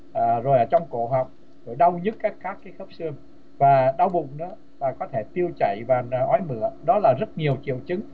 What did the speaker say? rồi à trong cổ họng đau nhức các khớp cái khớp xương và đau bụng và có thể tiêu chảy và ói mửa đó là rất nhiều triệu chứng